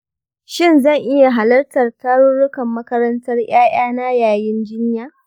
shin zan iya halartar tarurrukan makarantar ’ya’yana yayin jinya?